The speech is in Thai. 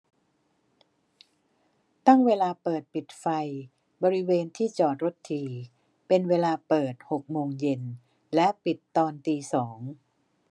ตั้งเวลาเปิดปิดไฟบริเวณที่จอดรถทีเป็นเวลาเปิดหกโมงเย็นและปิดตอนตีสอง